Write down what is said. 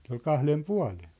se oli kahden puolen